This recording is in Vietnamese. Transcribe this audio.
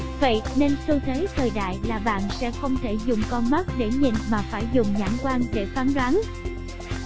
vậy nên xu thế thời đại là bạn sẽ không thể dùng con mắt để nhìn mà phải dùng nhãn quan để phán đoán